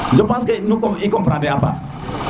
je pense que comprendre e a paax